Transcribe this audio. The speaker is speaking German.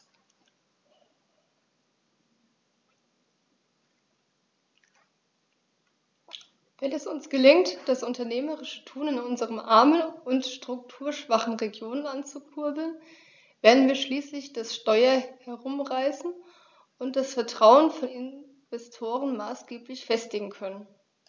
Wenn es uns gelingt, das unternehmerische Tun in unseren armen und strukturschwachen Regionen anzukurbeln, werden wir schließlich das Steuer herumreißen und das Vertrauen von Investoren maßgeblich festigen können.